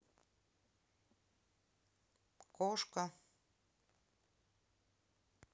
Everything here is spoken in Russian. кошка